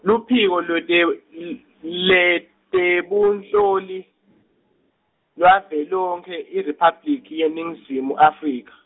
Luphiko lwete wel-, leTebunhloli, lwaVelonkhe, IRiphabliki yeNingizimu Afrika.